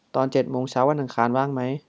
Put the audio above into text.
ตอนเจ็ดโมงเช้าวันอังคารว่างไหม